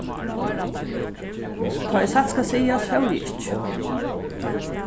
tá ið satt skal sigast fór eg ikki